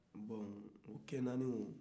bɔn o cɛ naani o